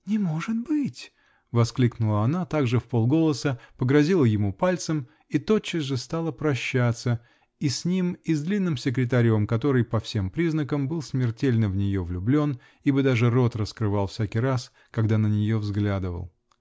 -- Не может быть!-- воскликнула она также вполголоса, погрозила ему пальцем и тотчас же стала прощаться -- и с ним и с длинным секретарем который, по всем признакам, был смертельно в нее влюблен, ибо даже рот раскрывал всякий раз, когда на нее взглядывал.